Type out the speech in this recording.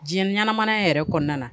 Diɲɛ ɲɛnaɛnɛmana in yɛrɛ kɔnɔna na